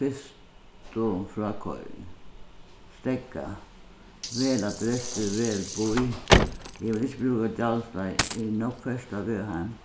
fyrstu frákoyring steðga vel adressu vel bý eg vil ikki brúka gjaldsleiðir er nógv ferðsla á veg heim